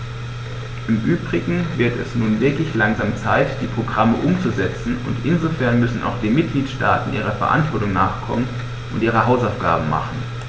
Im übrigen wird es nun wirklich langsam Zeit, die Programme umzusetzen, und insofern müssen auch die Mitgliedstaaten ihrer Verantwortung nachkommen und ihre Hausaufgaben machen.